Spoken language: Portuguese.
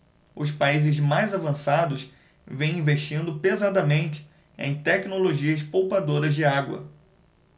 os países mais avançados vêm investindo pesadamente em tecnologias poupadoras de água